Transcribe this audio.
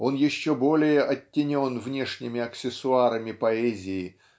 Он еще более оттенен внешними аксессуарами поэзии